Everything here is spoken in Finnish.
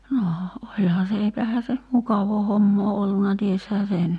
no olihan se eipähän se mukavaa hommaa ollut tiesihän sen